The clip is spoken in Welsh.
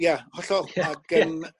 Ia hollol ag yn